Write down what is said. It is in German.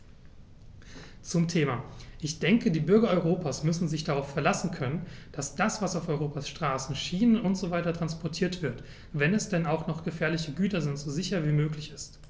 Zum Thema: Ich denke, die Bürger Europas müssen sich darauf verlassen können, dass das, was auf Europas Straßen, Schienen usw. transportiert wird, wenn es denn auch noch gefährliche Güter sind, so sicher wie möglich ist.